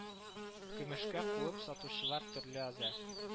Көмешкә куып сатучыларга төрле әза